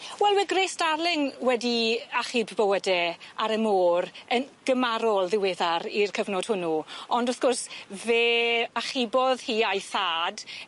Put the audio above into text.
Wel we' Grace Starling wedi achub bywyde ar y môr yn gymarol ddiweddar i'r cyfnod hwnnw ond wrth gwrs fe achubodd hi a'i thad